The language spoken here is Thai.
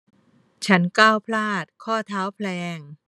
ฉันก้าวพลาดข้อเท้าแพลง